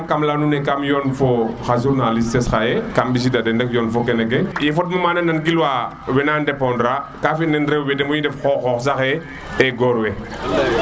yam ka leya nuun kam yoon fo xa journaliste xaye kam mbisi da den yon fo kene ke ye fod ma mana nan gil wa we na ndepondra ka fi ne rewe de moƴu def ko xoox saxe e goor we